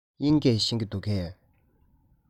དབྱིན སྐད ཤེས ཀྱི འདུག གས